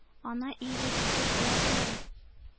Ана, иелеп, ике кулы белән